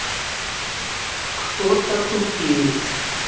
кто то тупеет